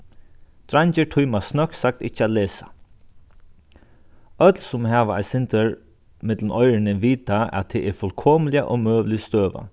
dreingir tíma snøgt sagt ikki at lesa øll sum hava eitt sindur millum oyruni vita at tað er fullkomiliga ómøgulig støða